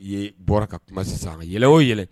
I bɔra ka kuma sisan, yɛlɛ o yɛlɛ.